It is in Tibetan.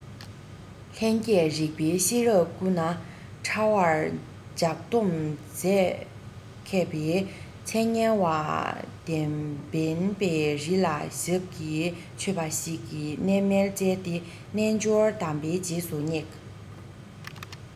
ལྷན སྐྱེས རིགས པའི ཤེས རབ སྐུ ན ཕྲ བར ལྗགས རྩོམ མཛད མཁས པའི མཚན སྙན བ དན དབེན པའི རི ལ ཞབས ཀྱིས ཆོས པ ཞིག གི གནས མལ བཙལ ཏེ རྣལ འབྱོར དམ པའི རྗེས སུ བསྙེགས